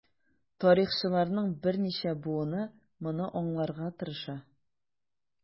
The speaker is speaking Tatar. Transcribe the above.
Тарихчыларның берничә буыны моны аңларга тырыша.